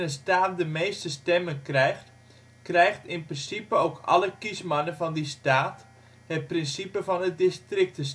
staat de meeste stemmen krijgt, ' krijgt ' in principe ook alle kiesmannen van die staat. Wie de